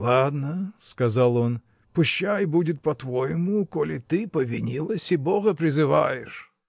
— Ладно, — сказал он, — пущай будет по-твоему, коли ты повинилась и Бога призываешь!